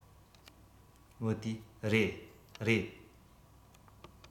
བུ དེས རེད རེད